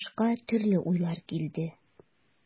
Башка төрле уйлар килде.